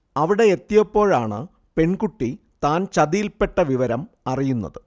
അവിടെ എത്തിയപ്പോഴാണ് പെൺകുട്ടി താൻ ചതിയിൽപ്പെട്ട വിവരം അറിയുന്നത്